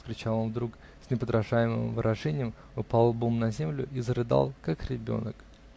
-- вскричал он вдруг с неподражаемым выражением, упал лбом на землю и зарыдал, как ребенок.